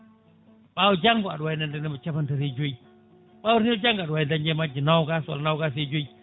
ɓaawo janggo aɗa wawi nande capantati e joyyi ɓade ne jengga aɗa wawi dañde e majje nogas walla nogas e joyyi